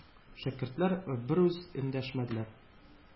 Шәкертләр бер сүз эндәшмәделәр.